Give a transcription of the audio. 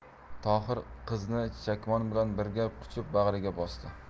tohir qizni chakmon bilan birga quchib bag'riga bosdi